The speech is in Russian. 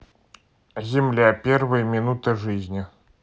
земля первая минута жизни